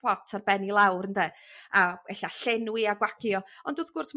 pot ar ben i lawr ynde a ella llenwi a gwagio ond wrth gwrs